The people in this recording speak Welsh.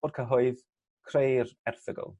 o'r cyhoedd creu'r erthygl.